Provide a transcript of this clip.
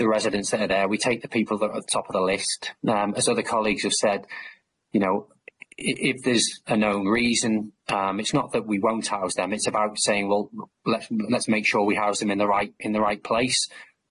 the residents that are there we take the people that are at the top of the list um as other colleagues have said you know, if there's a known reason um it's not that we won't house them it's about saying well let's let's make sure we house them in the right in the right place,